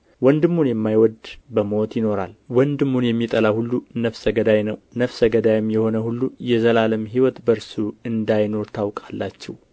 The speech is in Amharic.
ወንድሙን የሚጠላ ሁሉ ነፍሰ ገዳይ ነው ነፍሰ ገዳይም የሆነ ሁሉ የዘላለም ሕይወት በእርሱ እንዳይኖር ታውቃላችሁ